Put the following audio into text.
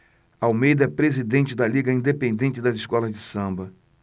almeida é presidente da liga independente das escolas de samba